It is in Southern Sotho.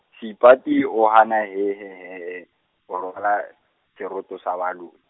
Seipati o hana hehehe he, ho rwala, seroto sa boloyi.